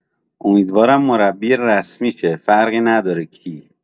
امیدوارم مربی رسمی شه فرقی نداره کی